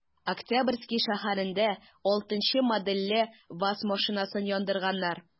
Октябрьский шәһәрендә 6 нчы модельле ваз машинасын яндырганнар.